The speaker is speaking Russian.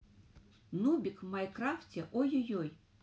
нубик в майнкрафте ой ой ой